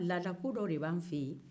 lada ko dɔ de b'an fɛ yen